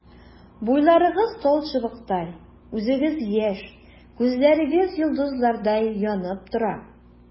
Буйларыгыз талчыбыктай, үзегез яшь, күзләрегез йолдызлардай янып тора.